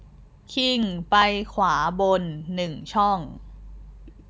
คิงไปขวาบนหนึ่งช่อง